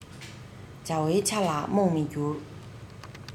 བྱ བའི ཆ ལ རྨོངས མི འགྱུར